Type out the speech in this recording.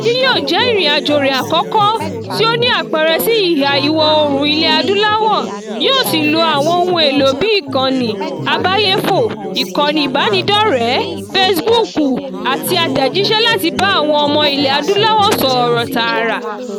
Èyí yóò jẹ́ ìrìn-àjò rẹ̀ àkọ́kọ́ tí ó ní àpẹẹrẹ sí Ìhà - ìwọ̀-oòrùn Ilẹ̀ Adúláwò yóò sì ló àwọn ohun èlò bíi Ìkànnì Abẹ́yẹfò, ìkànnì ìbánidọ́rẹ̀ẹ́ Facebook àti àtẹ̀jíṣẹ́ láti bá àwọn ọmọ Ilẹ̀ Adúláwò sọ̀rọ̀ tààrà.